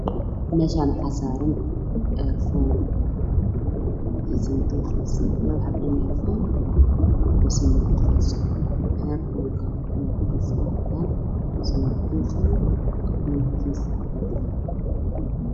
Meahaan waxaa saran efoon iyo sanduuqiisa laba xabo dhega efoon iyo sanduuqiisa efoonka kalarkiisu waa cadan sanduqisana waa cadaan